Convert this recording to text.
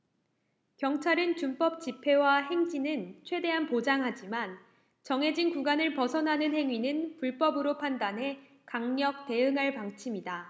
경찰은 준법 집회와 행진은 최대한 보장하지만 정해진 구간을 벗어나는 행위는 불법으로 판단해 강력 대응할 방침이다